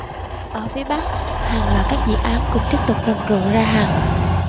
ở phía bắc hàng loạt các dự án cũng tiếp tục rầm rộ ra hàng